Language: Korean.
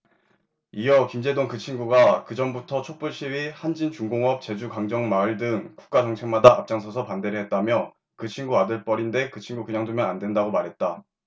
이어 김제동 그 친구가 그 전부터 촛불시위 한진중공업 제주강정마을 등 국가 정책마다 앞장서서 반대를 했다며 그 친구 아들뻘인데 그 친구 그냥 두면 안 된다고 말했다